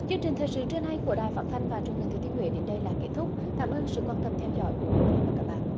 chương trình thời sự trưa nay của đài phát thanh và truyền hình thừa thiên huế đến đây là kết thúc cảm ơn sự quan tâm theo dõi của quý vị và các bạn